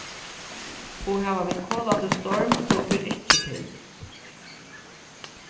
og hava vit kolandi storm so ber ikki til